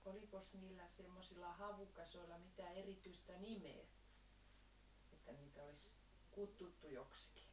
olikos niillä semmoisilla havukasoilla mitään erityistä nimeä että niitä olisi kutsuttu joksikin